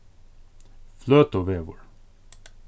fløtuvegur